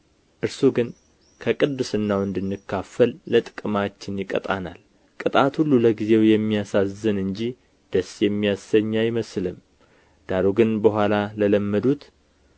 እርሱ ግን ከቅድስናው እንድንካፈል ለጥቅማችን ይቀጣናል ቅጣት ሁሉ ለጊዜው የሚያሳዝን እንጂ ደስ የሚያሰኝ አይመስልም ዳሩ ግን በኋላ ለለመዱት